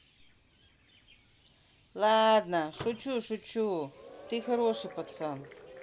ладно шучу шучу ты хороший пацан